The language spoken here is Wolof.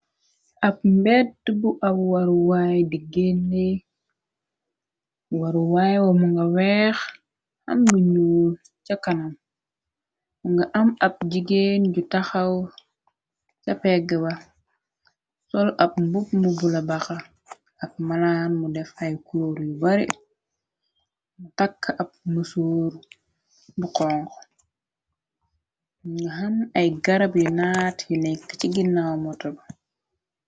ab mbedd bu ab waruwaay di gennee waruwaay wa mu nga weex xam gi nu ca kanam nga am ab jigeen ju taxaw ca peggba sol ab mbub mu bula baxa ab malaan mu def ay klór yu bare tàkk ab mësoor bu xonx nga xan ay garab yu naat yu nekk ci ginnaaw moto ba